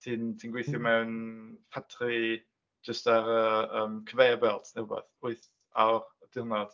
Ti'n ti'n gweithio mewn ffatri jyst ar y yym conveyor belt neu rywbeth wyth awr y diwrnod.